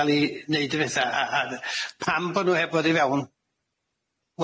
ga'l 'i neud y pethau a a dd- pam bo' nw heb fod i fewn?